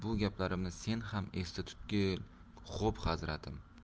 sen ham esda tutgil xo'p hazratim